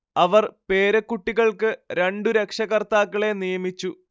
അവർ പേരക്കുട്ടികൾക്ക് രണ്ടു രക്ഷകർത്താക്കളെ നിയമിച്ചു